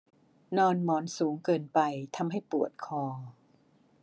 นอนหมอนสูงเกินไปทำให้ปวดคอ